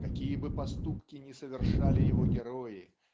Какие бы поступки ни совершали его герои